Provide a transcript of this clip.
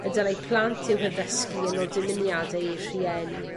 y dylai plant i'w haddysgu yn ôl dymuniadau eu rhieni.